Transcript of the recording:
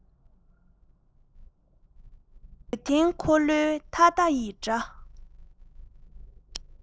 འདྲུད འཐེན འཁོར ལོའི ཐ ཐ ཡི སྒྲ